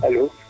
alo